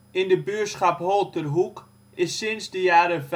In de buurschap Holterhoek is sinds de jaren